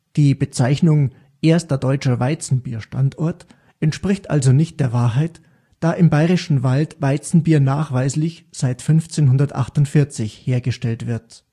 Die Bezeichnung „ erster deutscher Weizenbierstandort “entspricht also nicht der Wahrheit, da im Bayerischen Wald Weizenbier nachweislich seit 1548 hergestellt wird